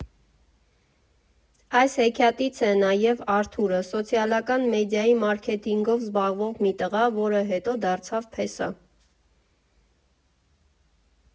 Այս հեքիաթից է նաև Արթուրը՝ սոցիալական մեդիայի մարքեթինգով զբաղվող մի տղա, որը հետո դարձավ փեսա։